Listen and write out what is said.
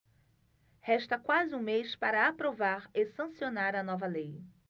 resta quase um mês para aprovar e sancionar a nova lei